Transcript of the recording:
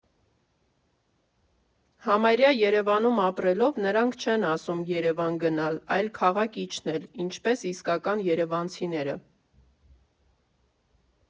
Համարյա Երևանում ապրելով՝ նրանք չեն ասում «Երևան գնալ», այլ՝ «քաղաք իջնել», ինչպես իսկական երևանցիները։